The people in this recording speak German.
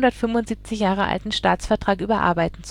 175 Jahre alten Staatsvertrag überarbeiten